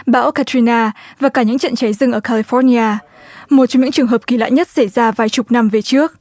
bão ca tri na và cả những trận cháy rừng ở ca li phóc ni a một trong những trường hợp kỳ lạ nhất xảy ra vài chục năm về trước